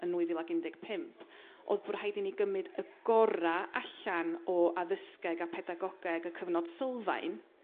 yn nwy fil ag un deg pump o'dd bo' rhaid i ni gym'yd y gorra' allan o addysgeg a pedagogeg y cyfnod sylfaen